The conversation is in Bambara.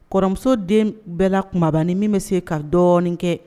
Kɔrɔmuso den bɛɛ kumaban ni min bɛ se ka dɔɔnin kɛ